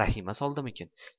rahima soldimikan